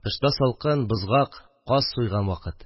Тышта салкын, бозгак, каз суйган вакыт